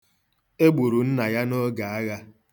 E gburu nna ya n'oge agha.